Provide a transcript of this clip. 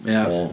Ia.